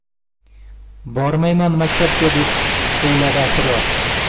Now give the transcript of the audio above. bormayman maktabga deb o'yladi asror